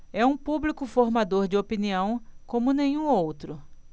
é um público formador de opinião como nenhum outro